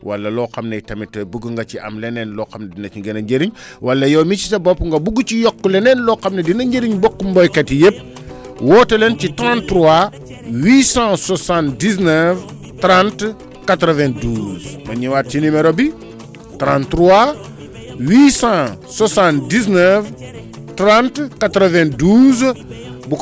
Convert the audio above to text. wala loo xam ne tamit bugg nga ci am leneen loo xam dina ci gën a jëriñ wala yow mii si sa bopp nga bugg ci yokk leneen loo xam ne dina njëriñ mbokku béykat yëpp woote leen ci 33 879 30 92 ma ñëwaat ci numéro bi 33 879 30 92